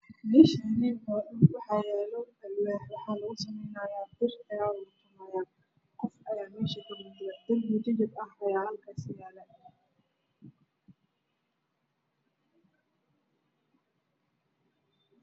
Meeshaan waxaa yaalo alwaax waxaa lugu sameynaaya bir, qof ayaa meesha fadhiyo darbi jajaba ayaa halkaas kamuuqdo.